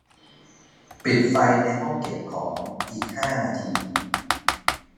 ปิดไฟในห้องเก็บของอีกห้านาที